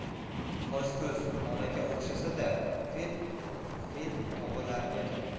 qosh ko'z onaga o'xshasa da fe'l tog'alariga tortgan